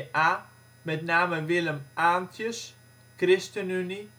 CDA (met name Willem Aantjes), ChristenUnie